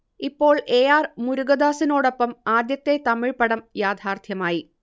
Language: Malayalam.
ഇപ്പോൾ എ ആർ മുരുഗദാസിനോടൊപ്പം ആദ്യത്തെ തമിഴ് പടം യാഥാർഥ്യമായി